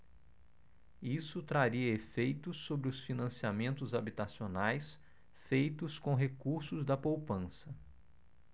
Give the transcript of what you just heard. isso traria efeitos sobre os financiamentos habitacionais feitos com recursos da poupança